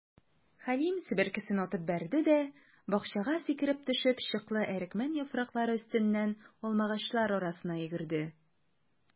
Хәлим, себеркесен атып бәрде дә, бакчага сикереп төшеп, чыклы әрекмән яфраклары өстеннән алмагачлар арасына йөгерде.